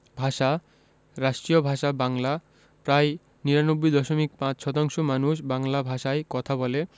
ভাষাঃ রাষ্ট্রীয় ভাষা বাংলা প্রায় ৯৯দশমিক ৫শতাংশ মানুষ বাংলা ভাষায় কথা বলে